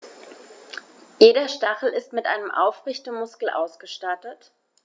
Jeder Stachel ist mit einem Aufrichtemuskel ausgestattet.